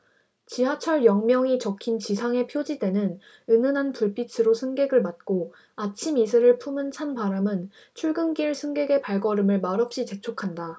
지하철 역명이 적힌 지상의 표지대는 은은한 불빛으로 승객을 맞고 아침 이슬을 품은 찬 바람은 출근길 승객의 발걸음을 말없이 재촉한다